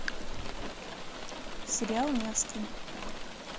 сериал невский